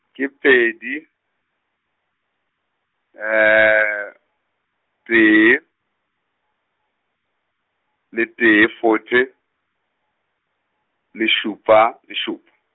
ke pedi, , tee, le tee forty, le šupa, le šupa.